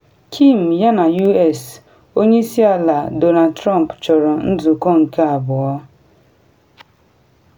Kim yana U.S. Onye isi ala Donald Trump chọrọ nzụkọ nke abụọ.